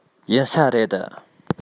ཡིན ས རེད